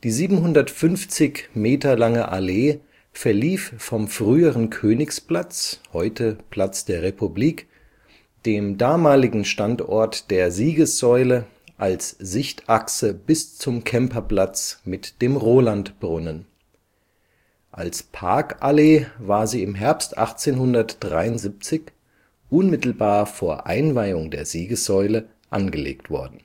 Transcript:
750 Meter lange Allee verlief vom früheren Königsplatz (heute: Platz der Republik), dem damaligen Standort der Siegessäule, als Sichtachse bis zum Kemperplatz mit dem Rolandbrunnen. Als Parkallee war sie im Herbst 1873 – unmittelbar vor Einweihung der Siegessäule – angelegt worden